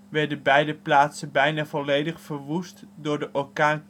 werden beide plaatsen bijna volledig verwoest door de orkaan